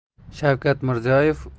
shavkat mirziyoyev